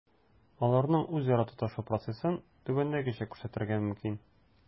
Аларның үзара тоташу процессын түбәндәгечә күрсәтергә мөмкин: